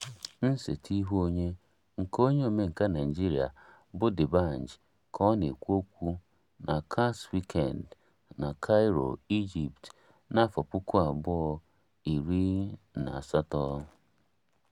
Nsetaihuenyo nke onye omenkà Naịjirịa bụ D'banj ka ọ na-ekwu okwu na CAX Weekend na Cairo, Egypt, 2018.